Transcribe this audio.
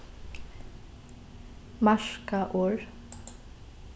marka orð